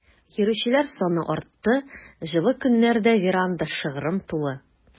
Йөрүчеләр саны артты, җылы көннәрдә веранда шыгрым тулы.